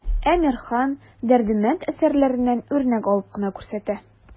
Әмирхан, Дәрдемәнд әсәрләреннән үрнәк алып кына күрсәтә.